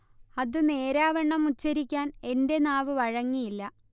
അതു നേരാംവണ്ണം ഉച്ചരിക്കാൻ എൻെറ നാവു വഴങ്ങിയില്ല